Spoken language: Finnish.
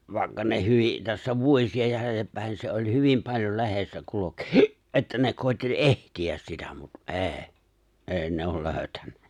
vaikka ne hyvin tässä vuosia jäljellepäin se oli hyvin paljon lehdessä kulki että ne koetti etsiä sitä mutta ei ei ne ole löytänyt